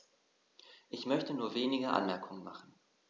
Ich möchte nur wenige Anmerkungen machen.